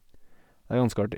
Det er ganske artig.